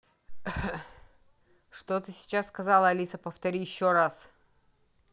что ты сейчас сказала алиса повтори еще раз